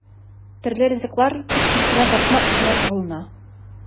Төрле ризыклар өч кечкенә тартма эченә салына.